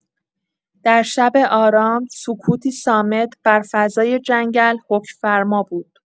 در شب آرام، سکوتی صامت بر فضای جنگل حکم‌فرما بود.